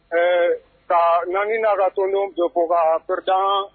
Ɛɛ nka naani na ka tɔnon pe ko nkaeretan